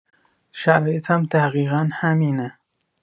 شرایطم دقیقا همینه.